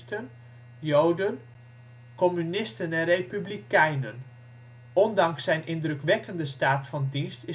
Joden, communisten en republikeinen (de zgn. Novemberverbrecher). Ondanks zijn indrukwekkende staat van dienst